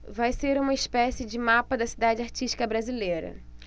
vai ser uma espécie de mapa da cidade artística brasileira